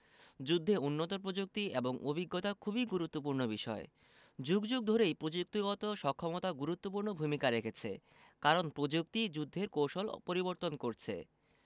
যুদ্ধে উন্নত প্রযুক্তি এবং অভিজ্ঞতা খুবই গুরুত্বপূর্ণ বিষয় যুগ যুগ ধরেই প্রযুক্তিগত সক্ষমতা গুরুত্বপূর্ণ ভূমিকা রেখেছে কারণ প্রযুক্তিই যুদ্ধের কৌশল পরিবর্তন করছে